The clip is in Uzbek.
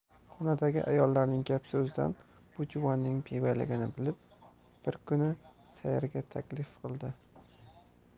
xonadagi ayollarning gap so'zidan bu juvonning bevaligini bilib bir kuni sayrga taklif qildi